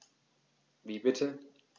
Wie bitte?